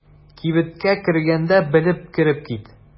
Кибеткә кергәндә белеп кереп кит.